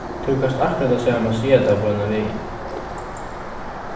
tú kanst akkurát tað sama siga tað beinanvegin